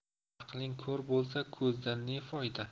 aqling ko'r bo'lsa ko'zdan ne foyda